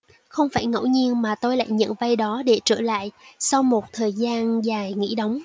không phải ngẫu nhiên mà tôi lại nhận vai đó để trở lại sau một thời gian dài nghỉ đóng